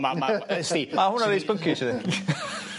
Ma' ma' weles di? Ma' hwnna reit sbynci .